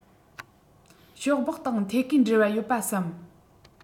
ཤོག སྦག དང ཐད ཀའི འབྲེལ བ ཡོད པ བསམ